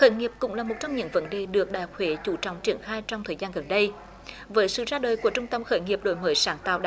khởi nghiệp cũng là một trong những vấn đề được đại học huế chú trọng triển khai trong thời gian gần đây với sự ra đời của trung tâm khởi nghiệp đổi mới sáng tạo